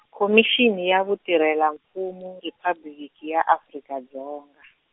Khomixini ya Vutirhela-Mfumo Riphabliki ya Afrika Dzonga.